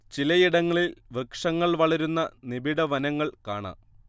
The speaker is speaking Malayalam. ചിലയിടങ്ങളിൽ വൃക്ഷങ്ങൾ വളരുന്ന നിബിഡ വനങ്ങൾ കാണാം